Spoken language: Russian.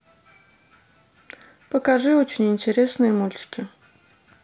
покажи очень интересные мультики